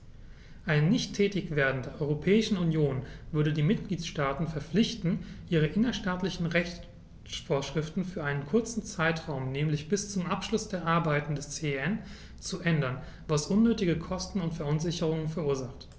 Ein Nichttätigwerden der Europäischen Union würde die Mitgliedstaten verpflichten, ihre innerstaatlichen Rechtsvorschriften für einen kurzen Zeitraum, nämlich bis zum Abschluss der Arbeiten des CEN, zu ändern, was unnötige Kosten und Verunsicherungen verursacht.